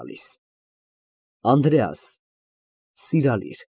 Տալիս)։ ԱՆԴՐԵԱՍ ֊ (Սիրալիր)